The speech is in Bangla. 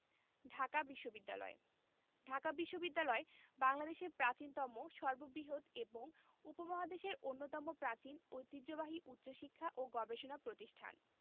ঢাকা বিশ্ববিদ্যালয় ঢাকা বিশ্ববিদ্যালয় বাংলাদেশের প্রাচীনতম সর্ববৃহৎ এবং উপমহাদেশের অন্যতম প্রাচীন ঐতিহ্যবাহী উচ্চশিক্ষা ও গবেষণা প্রতিষ্ঠান